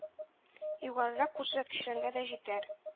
Югарырак күрсәткечләргә дә җитәр